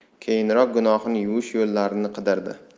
keyinroq gunohini yuvish yo'llarini qidirdi